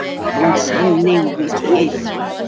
A fyntau yn newid ei ieithwedd.